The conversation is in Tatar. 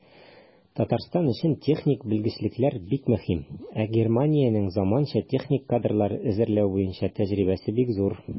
Татарстан өчен техник белгечлекләр бик мөһим, ә Германиянең заманча техник кадрлар әзерләү буенча тәҗрибәсе бик зур.